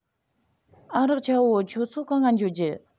ཨ རོགས ཆ བོ ཁྱོད ཚོ གང ང འགྱོ རྒྱུ